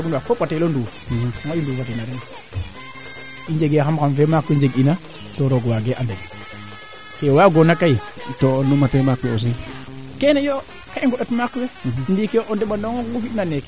ga kusax ke teen andiye laŋ paaxo to couleur ten aussi tena moƴa foncé encore o gasa nga kam fee te ɓuuɓ wala te fi l'essensiel gestu wi kaga rek o gestuwa ngaa kaaga xano andee kaaga laŋ paaxo